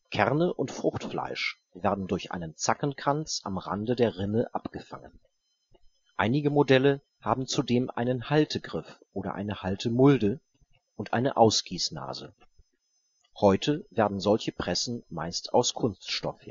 Kerne und Fruchtfleisch werden durch einen Zackenkranz am Rande der Rinne abgefangen. Einige Modelle haben zudem einen Haltegriff oder eine Haltemulde und eine Ausgießnase. Heute werden solche Pressen meist aus Kunststoff